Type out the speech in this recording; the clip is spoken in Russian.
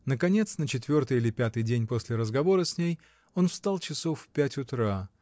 Наконец, на четвертый или пятый день после разговора с ней, он встал часов в пять утра.